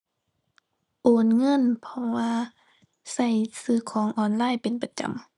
โอนเงิน เพราะว่าใช้ซื้อของออนไลน์เป็นประจำ